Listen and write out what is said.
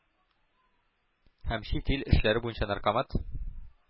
Һәм «чит ил эшләре буенча наркомат